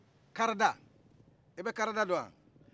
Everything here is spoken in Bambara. karada ibɛ karada dɔn wa